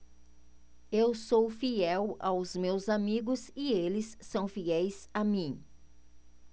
eu sou fiel aos meus amigos e eles são fiéis a mim